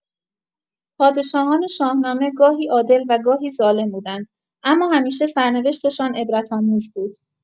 پادشاهان شاهنامه گاهی عادل و گاهی ظالم بودند، اما همیشه سرنوشتشان عبرت‌آموز بود.